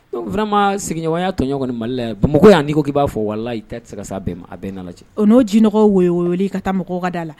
Dɔnku fanama sigiyɔrɔɲɔgɔnya tɔɲɔgɔn kɔni mali la bamakɔ yan'i ko k i b'a fɔ wala i tɛ se ka sa a bɛɛ' n'o jiɔgɔ wele i ka taa mɔgɔda a la